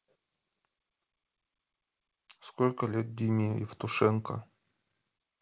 сколько лет дима евтушенко